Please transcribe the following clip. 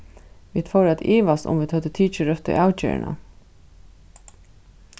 vit fóru at ivast um vit høvdu tikið røttu avgerðina